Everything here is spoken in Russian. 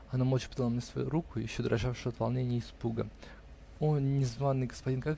Она молча подала мне свою руку, еще дрожавшую от волнения и испуга. О незваный господин!